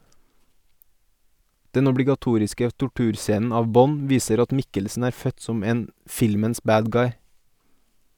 Den obligatoriske torturscenen av Bond viser at Mikkelsen er født som en filmens «bad guy».